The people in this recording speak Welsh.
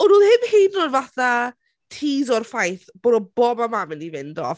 O'n nhw ddim hyd yn oed fatha... tîso'r ffaith bod y bom yma'n mynd i fynd off.